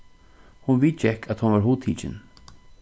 hon viðgekk at hon var hugtikin